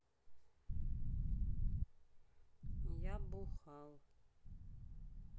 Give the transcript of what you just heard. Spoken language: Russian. я бухал